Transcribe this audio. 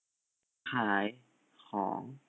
ขายของ